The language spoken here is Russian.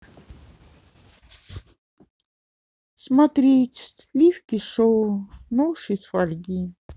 смотреть сливки шоу нож из фольги